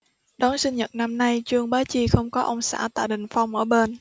đón sinh nhật năm nay trương bá chi không có ông xã tạ đình phong ở bên